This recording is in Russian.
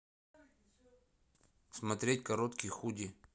смотреть короткие худи